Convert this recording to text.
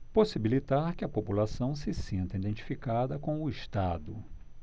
possibilitar que a população se sinta identificada com o estado